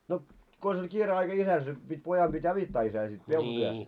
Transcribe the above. no konsa oli kiire aika isällä se piti pojan piti auttaa isää sitten peltotyössä